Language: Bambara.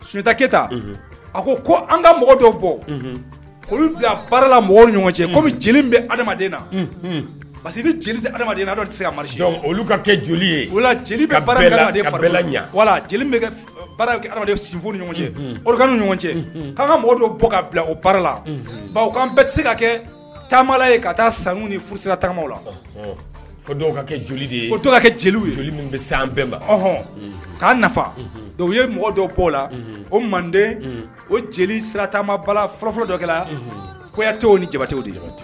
Sunjatata keyita a ko ko an ka mɔgɔ dɔw bɔ olu bilala mɔgɔw ɲɔgɔn cɛ bɛ adama na parce que bɛ tɛ hadenya dɔ tɛ se ka olu ka kɛ joli yela ɲɛ wala sin ni ɲɔgɔn cɛ oluka ɲɔgɔn cɛ'an ka mɔgɔ dɔw bɔ ka bila o baarala anan bɛ tɛ se ka kɛ taamala ye ka taa sanu ni furu sirataw la dɔw ka kɛ joli de ye o to kɛ jeliw ye bɛ san bɛnbaɔn k'a nafa dɔw u ye mɔgɔ dɔwo la o manden o jeli siratama balala fɔlɔfɔlɔ dɔkɛla kuyate ni jabatɛw de